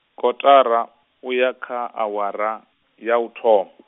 kotara, uya kha awara, ya u thoma.